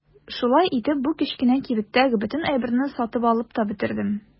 Шулай итеп бу кечкенә кибеттәге бөтен әйберне сатып алып та бетердем.